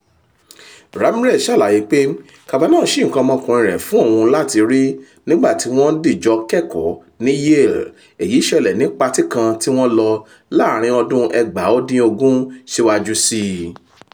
Ramirez ṣàlàyé pé Kavanaugh ṣí nǹkan ọmọkùnrin rẹ̀ fún òun láti rí nígbà tí wọ́n ń dìjọ kẹ́kọ̀ọ́ ní Yale. Èyí ṣẹlẹ̀ ni patí kan tí wọ́n lọ láàrin ọdún 1980 síwájú sí i.